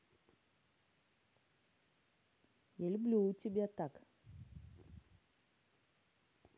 я люблю тебя так